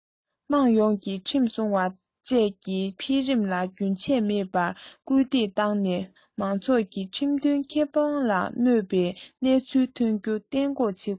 དམངས ཡོངས ཀྱིས ཁྲིམས སྲུང བ བཅས ཀྱི འཕེལ རིམ ལ རྒྱུན ཆད མེད པར སྐུལ འདེད བཏང ནས མང ཚོགས ཀྱི ཁྲིམས མཐུན ཁེ དབང ལ གནོད པའི གནས ཚུལ ཐོན རྒྱུ གཏན འགོག བྱེད དགོས